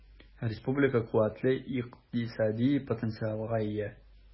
Республика куәтле икътисади потенциалга ия.